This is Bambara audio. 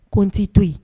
Ko t'i to